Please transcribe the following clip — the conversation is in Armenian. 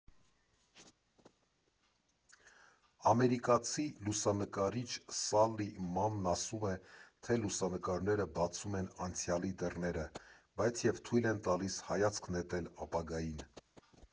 Ամերիկացի լուսանկարիչ Սալլի Մանն ասում է, թե լուսանկարները բացում են անցյալի դռները, բայց և թույլ են տալիս հայացք նետել ապագային։